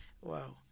waaw